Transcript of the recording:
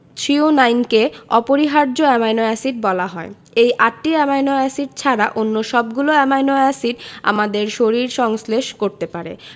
থ্রিওনাইনকে অপরিহার্য amino acid বলা হয় এই আটটি অ্যামাইনো এসিড ছাড়া অন্য সবগুলো অ্যামাইনো এসিড আমাদের শরীর সংশ্লেষ করতে পারে